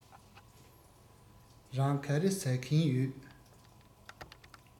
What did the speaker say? རང ག རེ ཟ གིན ཡོད